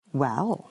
Wel.